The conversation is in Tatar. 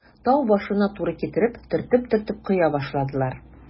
Тау башына туры китереп, төртеп-төртеп коя башладылар.